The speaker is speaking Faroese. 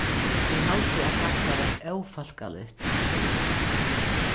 eg haldi at hatta var ófólkaligt